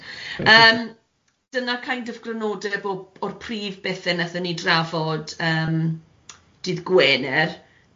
Yym dyna kind of crynodeb o- o'r prif bethe wnaethon ni drafod yym dydd Gwener.